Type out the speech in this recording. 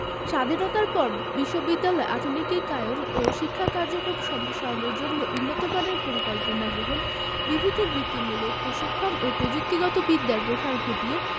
স্বাধীনতার পর বিশ্ববিদ্যালয়ের আধুনিকায়ন ও শিক্ষা কার্যক্রম সম্প্রসারণের জন্য উন্নতমানের পরিকল্পনা গ্রহণ বিভিন্ন বৃত্তিমূলক প্রশিক্ষণ ও প্রযুক্তিগত বিদ্যার প্রসার ঘটিয়ে